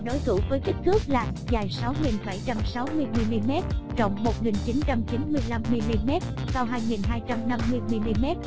với kích thước dài mm rộng mm cao mm